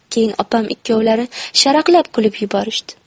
keyin opam ikkovlari sharaqlab kulib yuborishdi